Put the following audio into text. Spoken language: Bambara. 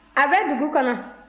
a bɛ dugu kɔnɔ